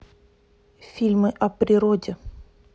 фильмы о природе